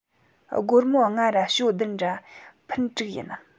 སྒོར མོ ལྔ ར ཞོ བདུན ར ཕུན དྲུག ཡིན